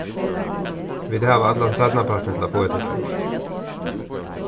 vit hava allan seinnapartin til at fáa hetta gjørt